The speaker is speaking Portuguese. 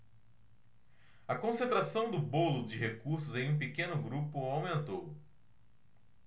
a concentração do bolo de recursos em um pequeno grupo aumentou